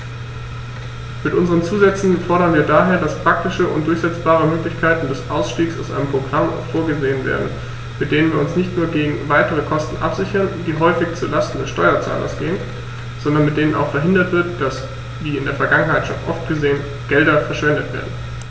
Mit unseren Zusätzen fordern wir daher, dass praktische und durchsetzbare Möglichkeiten des Ausstiegs aus einem Programm vorgesehen werden, mit denen wir uns nicht nur gegen weitere Kosten absichern, die häufig zu Lasten des Steuerzahlers gehen, sondern mit denen auch verhindert wird, dass, wie in der Vergangenheit so oft geschehen, Gelder verschwendet werden.